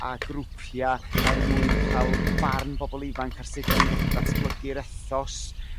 a grwpia' er mwyn ca'l barn bobol ifanc a sud dan ni'n gallu datblygu'r ethos